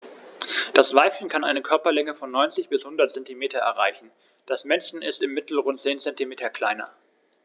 Das Weibchen kann eine Körperlänge von 90-100 cm erreichen; das Männchen ist im Mittel rund 10 cm kleiner.